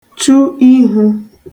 chu ihū